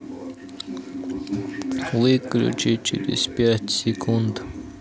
выключи через пять секунд